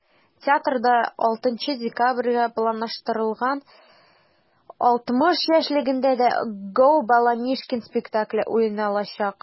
Театрда 6 декабрьгә планлаштырылган 60 яшьлегендә дә “Gо!Баламишкин" спектакле уйналачак.